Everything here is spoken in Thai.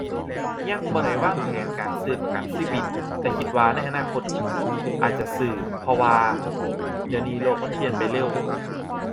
ยังบ่ได้วางแผนการซื้อประกันชีวิต แต่คิดว่าในอนาคตอาจจะซื้อ เพราะว่าเดี๋ยวนี้โลกมันเปลี่ยนไปเร็ว